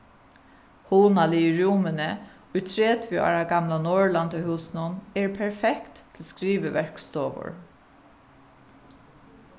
hugnaligu rúmini í tretivu ára gamla norðurlandahúsinum eru perfekt til skriviverkstovur